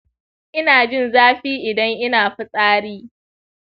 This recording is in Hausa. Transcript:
inajin zafi idan ina fitsari